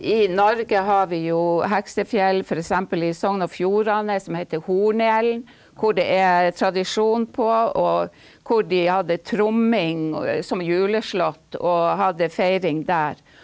i Norge har vi jo heksefjell f.eks. i Sogn og Fjordane som heter Hornelen, hvor det er tradisjon på og hvor de hadde tromming som juleslått og hadde fering der.